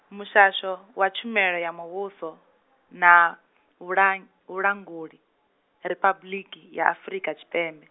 Muhasho wa Tshumelo ya Muvhuso , na, vhula, Vhulanguli, Riphabuḽiki ya Afrika Tshipembe.